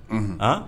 Un